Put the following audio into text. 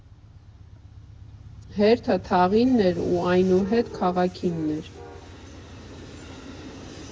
Հերթը թաղինն ու այնուհետ՝ քաղաքինն էր։